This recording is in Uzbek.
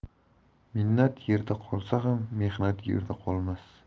minnat yerda qolsa ham mehnat yerda qolmas